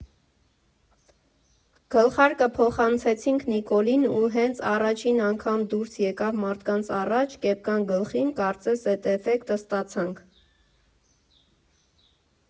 Գլխարկը փոխանցեցինք Նիկոլին ու հենց առաջին անգամ դուրս եկավ մարդկանց առաջ՝ կեպկան գլխին, կարծես՝ էդ էֆեկտը ստացանք։